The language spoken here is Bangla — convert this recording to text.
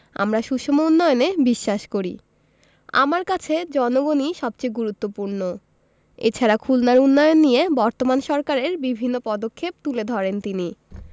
আমরা সুষম উন্নয়নে বিশ্বাস করি আমার কাছে জনগণই সবচেয়ে গুরুত্বপূর্ণ এছাড়া খুলনার উন্নয়ন নিয়ে বর্তমান সরকারের বিভিন্ন পদক্ষেপ তুলে ধরেন তিনি